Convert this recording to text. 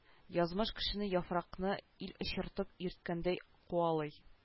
Язмыш кешене яфракны ил очыртып йөрткәндәй куалый